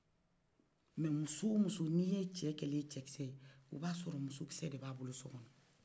mɛ musow o musow n'i ye cɛ kɛlen cɛkisɛ o b'a sɔrɔ muso kisɛ de ba kɔ so